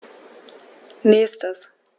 Nächstes.